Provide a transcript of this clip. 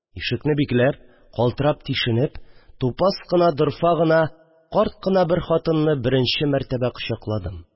Ишекне бикләп, калтырап чишенеп, тупас кына, дорфа гына, карт кына бер хатынны беренче мәртәбә кочакладым